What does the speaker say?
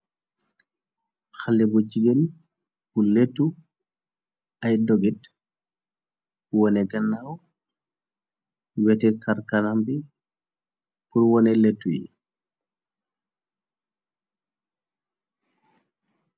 Xale bu jigeen bu létu ay dogit. Wone ganaaw weti harkanam bi pur wone lettu yi.